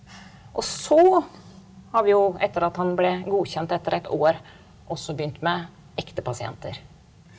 og så har vi jo etter at han ble godkjent etter ett år også begynt med ekte pasienter.